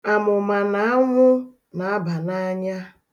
Amụma na anwụ na-aba n'anya.